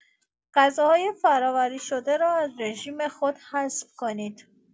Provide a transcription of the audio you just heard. غذاهای فرآوری‌شده را از رژیم خود حذف کنید.